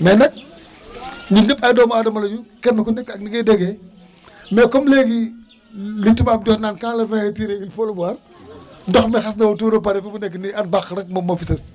mais nag ñun ñëpp ay doomu aadama la ñu kenn ku nekk ak ni ngay déggee mais comme léegi li tubaab di wax naan quend le vin est tiré il faut le boire ndox mi xas na ba tuuru ba pare fi mu nekk nii an bàq rek moom moo fi sës